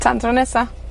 Tan tro nesa,